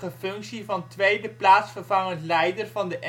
functie van tweede plaatsvervangend Leider van de